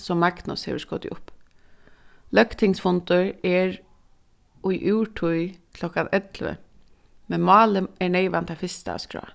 sum magnus hevur skotið upp løgtingsfundur er í úrtíð klokkan ellivu men málið er neyvan tað fyrsta á skrá